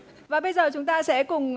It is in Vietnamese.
và bây giờ chúng ta sẽ cùng